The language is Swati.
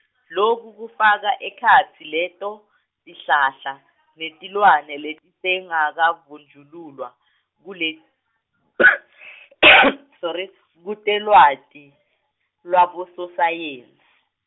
loku kufaka ekhatsi leto tihlahla netilwane letisengakavunjululwa kule- sorry, kutelwati lwabososayensi.